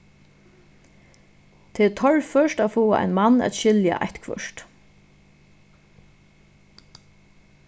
tað er torført at fáa ein mann at skilja eitthvørt